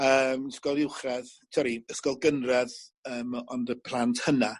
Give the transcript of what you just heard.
Yym ysgol uwchradd sori ysgol gynradd yym ond y blant hynna